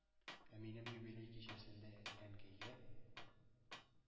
Ә минем юбилей кичәсендә Әнкәйгә,